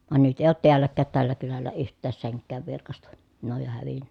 vaan nyt ei ole täälläkään tällä kylällä yhtään senkään virkaista ne on jo hävinnyt